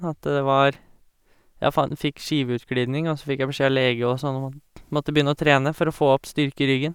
At det var jeg fan fikk skiveutglidning og så fikk jeg beskjed av lege og sånn om å måtte begynne å trene for å få opp styrke i ryggen.